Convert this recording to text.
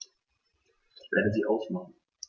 Ich werde sie ausmachen.